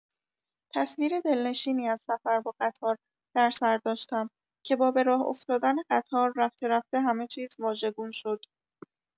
تصویر دلنشینی از سفر با قطار در سر داشتم که با به راه افتادن قطار رفته رفته همه چیز واژگون شد.